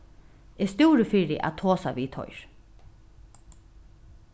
eg stúri fyri at tosa við teir